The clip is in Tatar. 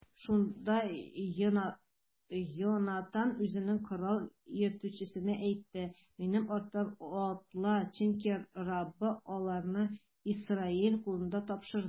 Шунда Йонатан үзенең корал йөртүчесенә әйтте: минем арттан атла, чөнки Раббы аларны Исраил кулына тапшырды.